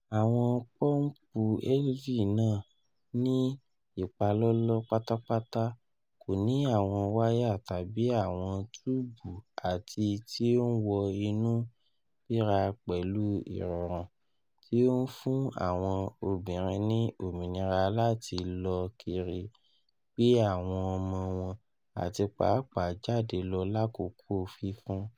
Awọn Pọmpu Elvie naa, ni ipalọlọ patapata, ko ni awọn waya tabi awọn tubu ati ti o n wọ inu bira pẹlu irọrun, ti o n fun awọn obinrin ni ominira lati lọ kiiri, gbe awọn ọmọ wọn, ati paapaa jade lọ lakoko fifun.